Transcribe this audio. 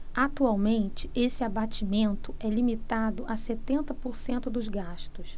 atualmente esse abatimento é limitado a setenta por cento dos gastos